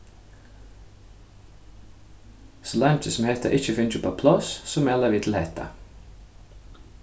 so leingi sum hetta ikki er fingið upp á pláss so mæla vit til hetta